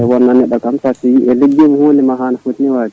nde wonno neɗɗo tan so tawi a ligguima hunde ma hanno footi ni waade